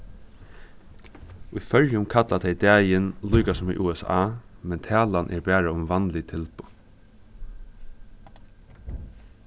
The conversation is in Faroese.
í føroyum kalla tey dagin líka sum í usa men talan er bara um vanlig tilboð